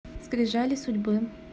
скрижали судьбы